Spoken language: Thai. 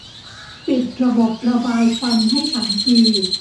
ปิดระบบระบายควันให้ฉันที